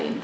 i